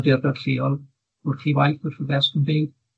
awdurdod lleol wrth 'i waith wrth 'i ddesg yn .